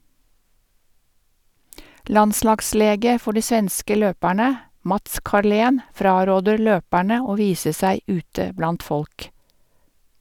Landslagslege for de svenske løperne, Mats Carlén, fraråder løperne å vise seg ute blant folk.